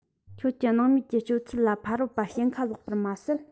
ཁྱོད ཀྱི སྣང མེད ཀྱི སྤྱོད ཚུལ ལ ཕ རོལ པ ཞེན ཁ ལོག པར མ ཟད